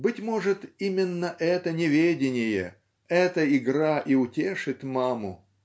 Быть может, именно это неведение, эта игра и утешит маму?